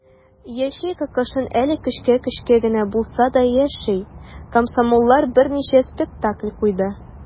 Ячейка кышын әле көчкә-көчкә генә булса да яши - комсомоллар берничә спектакль куйдылар.